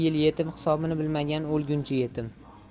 yetim hisobini bilmagan o'lguncha yetim